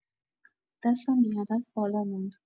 دستم بی‌هدف بالا موند.